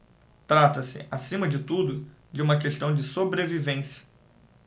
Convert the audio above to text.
trata-se acima de tudo de uma questão de sobrevivência